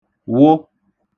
wụ